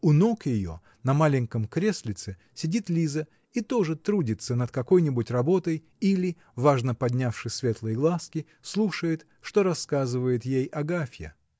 у ног ее, на маленьком креслице, сидит Лиза и тоже трудится над какой-нибудь работой или, важно поднявши светлые глазки, слушает, что рассказывает ей Агафья